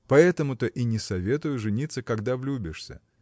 Поэтому-то и не советую жениться, когда влюбишься.